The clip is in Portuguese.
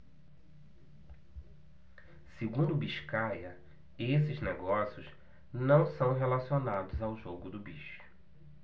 segundo biscaia esses negócios não são relacionados ao jogo do bicho